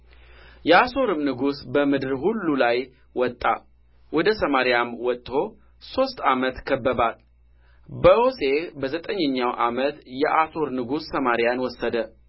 የአሦርም ንጉሥ በምድር ሁሉ ላይ ወጣ ወደ ሰማርያም ወጥቶ ሦስት ዓመት ከበባት በሆሴዕ በዘጠኝኛው ዓመት የአሦር ንጉሥ ሰማርያን ወሰደ